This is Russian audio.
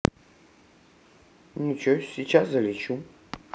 ничего сейчас залечу